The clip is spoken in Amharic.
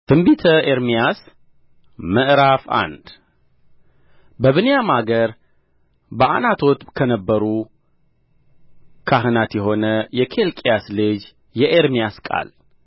ትንቢተ ኤርምያስ ምዕራፍ አንድ በብንያም አገር በዓናቶት ከነበሩ ካህናት የሆነ የኬልቅያስ ልጅ የኤርምያስ ቃል በይሁዳ ንጉሥ በአሞጽ ልጅ በኢዮስያስ ዘመን በመንግሥቱ በአሥራ ሦስተኛው ዓመት የእግዚአብሔር ቃል መጣለት